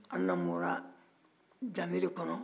an lamɔɔra danbe de kɔnɔ